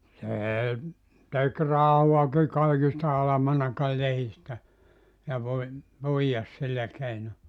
se teki rahaakin kaikista almanakan lehdistä ja - puijasi sillä keinoin